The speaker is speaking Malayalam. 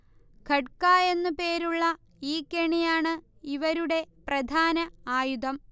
'ഖട്ക' എന്നു പേരുള്ള ഈ കെണിയാണ് ഇവരുടെ പ്രധാന ആയുധം